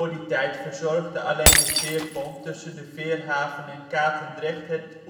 die tijd verzorgde alleen de veerpont tussen de Veerhaven en Katendrecht het